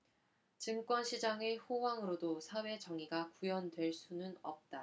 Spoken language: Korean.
증권 시장의 호황으로도 사회 정의가 구현될 수는 없다